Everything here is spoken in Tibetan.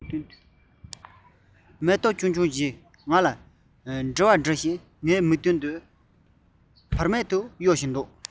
མེ ཏོག ཆུང ཆུང ཞིག ང ལ ཅོ འདྲི བྱེད ངའི མིག མདུན དུ བར མེད གཡོ